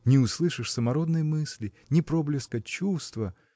не услышишь самородной мысли, ни проблеска чувства.